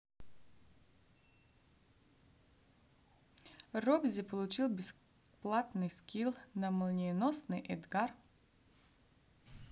robzi получил бесплатный скилл на молниеносный эдгар